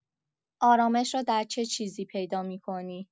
آرامش را در چه چیزی پیدا می‌کنی؟